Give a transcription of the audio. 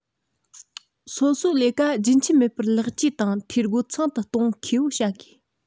སོ སོའི ལས ཀ རྒྱུན ཆད མེད པར ལེགས བཅོས དང འཐུས སྒོ ཚང དུ གཏོང མཁས པོ བྱ དགོས